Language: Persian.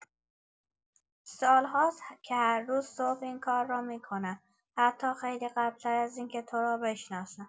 سال‌هاست که هر روز صبح این کار را می‌کنم؛ حتی خیلی قبل‌‌تر از این‌که تو را بشناسم.